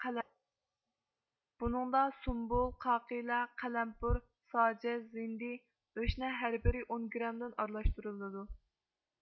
بۇنىڭدا سۇمبۇل قاقىلە قەلەمپۇر سازەچ ھىندى ئۆشنە ھەربىرى ئون گرامدىن ئارىلاشتۇرۇلىدۇ